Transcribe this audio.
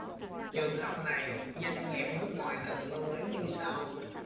trường hợp này doanh nghiệp nước ngoài cần lưu ý như sau